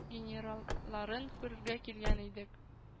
Генералларын күрергә килгән идек